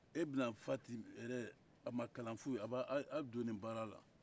e bɛna fati eee a ma kalan foyi a b'a donni baara la